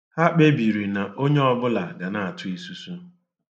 Ha kpebiri na onye ọbụla ga na-atụ isusu.